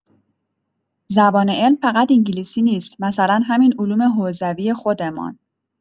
زبان علم فقط انگلیسی نیست، مثلا همین علوم حوزوی خودمان.